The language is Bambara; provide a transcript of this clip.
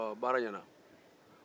baara ɲɛna